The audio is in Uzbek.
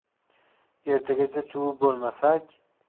ertagacha chuvib bo'lmasak